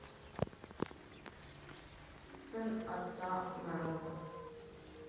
сын отца народов